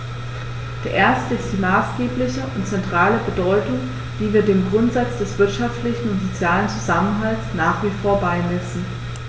Der erste ist die maßgebliche und zentrale Bedeutung, die wir dem Grundsatz des wirtschaftlichen und sozialen Zusammenhalts nach wie vor beimessen.